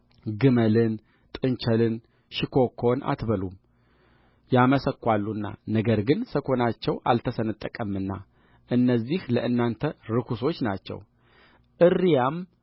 ግመልን ጥንቸልን ሽኮኮን አትበሉም ያመሰኳሉና ነገር ግን ሰኮናቸው አልተሰነጠቀምና እነዚህ ለእናንተ ርኩሶች ናቸው እርያም